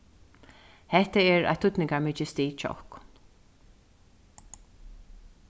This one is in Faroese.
hetta er eitt týdningarmikið stig hjá okkum